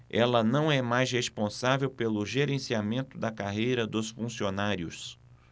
ela não é mais responsável pelo gerenciamento da carreira dos funcionários